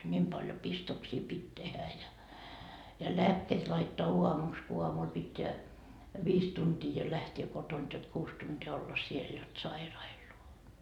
niin paljon pistoksia piti tehdä ja ja lääkkeet laittaa aamuksi kun aamulla pitää viisi tuntia jo lähteä kotoa jotta kuusi tuntia olla siellä jotta sairaiden luona